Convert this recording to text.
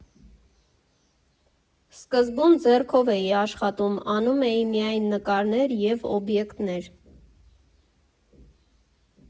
Սկզբում ձեռքով էի աշխատում՝ անում էի միայն նկարներ և օբյեկտներ։